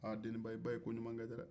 a deniba i ba ye koɲuman kɛ dɛrɛ